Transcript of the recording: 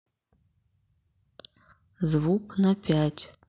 звук на пять